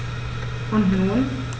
Und nun?